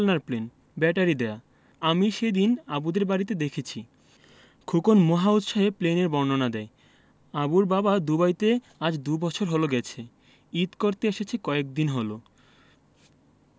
আমি সেদিন আবুদের বাড়িতে দেখেছি খোকন মহা উৎসাহে প্লেনের বর্ণনা দেয় আবুর বাবা দুবাইতে আজ দুবছর হলো গেছে ঈদ করতে এসেছে কয়েকদিন হলো